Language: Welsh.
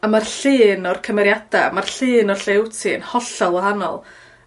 a ma'r llun o'r cymeriada ma'r llun o lle w't ti yn hollol wahanol.